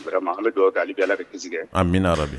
Vraiment an be dugawu kɛ halibi Ala ka kisili kɛ . Amina.